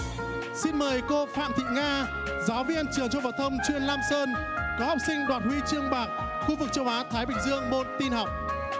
xin mời cô phạm thị nga giáo viên trường phổ thông chuyên lam sơn nói học sinh đoạt huy chương bạc khu vực châu á thái bình dương môn tin học